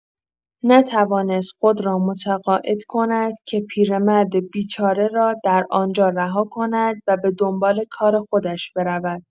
نتوانست خود را متقاعد کند که پیرمرد بیچاره را در آن‌جا رها کند و به‌دنبال کار خودش برود.